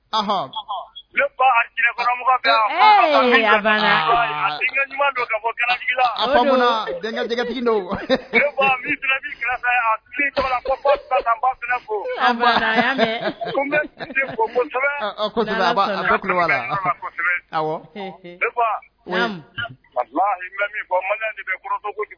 Denkɛ